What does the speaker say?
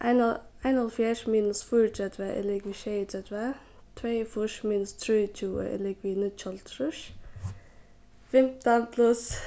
einoghálvfjerðs minus fýraogtretivu er ligvið sjeyogtretivu tveyogfýrs minus trýogtjúgu er ligvið níggjuoghálvtrýss fimtan pluss